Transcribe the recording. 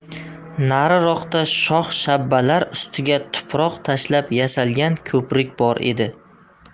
nariroqda shox shabbalar ustiga tuproq tashlab yasalgan ko'prik bor edi